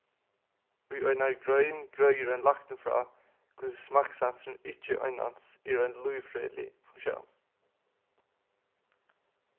í einari grein greiðir ein lækni frá hvussu smakksansurin ikki einans er ein lívfrøðilig funktión